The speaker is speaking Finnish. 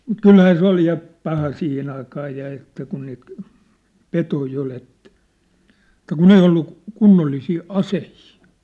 kyllähän se oli ja paha siihen aikaa ja että kun niitä petoja oli että että kun ei ollut kunnollisia aseita